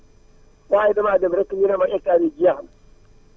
waaye damaa dem rek ñu ne ma hectares yi jeex na